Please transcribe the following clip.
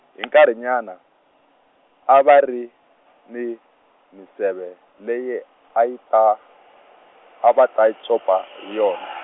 hi nkarhinyana, a va ri, ni, minseve leyi, a yi ta , a va ta yi copa, hi yona.